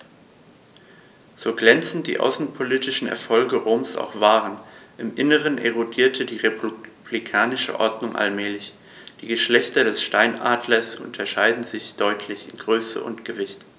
So glänzend die außenpolitischen Erfolge Roms auch waren: Im Inneren erodierte die republikanische Ordnung allmählich. Die Geschlechter des Steinadlers unterscheiden sich deutlich in Größe und Gewicht.